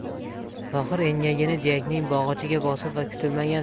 tohir engagini jiyakning bog'ichiga bosib va kutilmagan